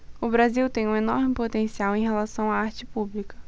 o brasil tem um enorme potencial em relação à arte pública